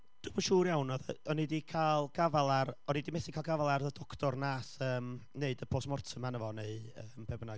Dwi'm yn siŵr iawn, wnaeth... on i 'di cael gafael ar, on i 'di methu cael gafael ar y doctor wnaeth, yym, wneud y post-mortem arna fo, neu yym be bynnag, ond yy ges i ddoctor o, o'r un